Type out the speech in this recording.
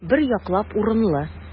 Бер яклап урынлы.